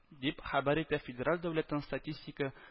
Дип хәбәр итә федераль дәүләтнең статистика